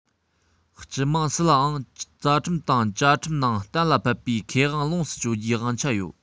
སྤྱི དམངས སུ ལའང རྩ ཁྲིམས དང བཅའ ཁྲིམས ནང གཏན ལ ཕབ པའི ཁེ དབང ལོངས སུ སྤྱོད རྒྱུའི དབང ཆ ཡོད